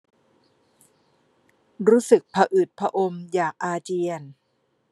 รู้สึกพะอืดพะอมอยากอาเจียน